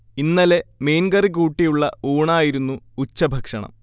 ഇന്നലെ മീൻ കറി കൂട്ടിയുള്ള ഊണായിരുന്നു ഉച്ചഭക്ഷണം